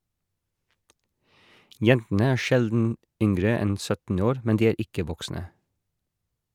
- Jentene er sjelden yngre enn 17 år, men de er ikke voksne.